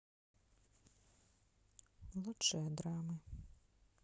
лучшие драмы